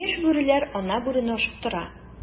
Яшь бүреләр ана бүрене ашыктыра.